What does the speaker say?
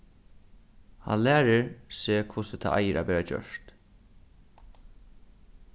hann lærir seg hvussu tað eigur at vera gjørt